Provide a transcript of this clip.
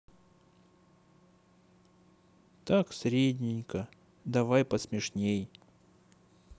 так средненько давай посмешней